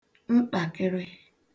nṭàkịrị